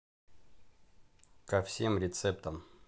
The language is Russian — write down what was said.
ко всем рецептам